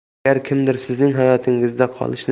agar kimdir sizning hayotingizda qolishini